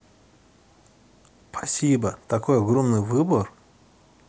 спасибо такой огромный выбор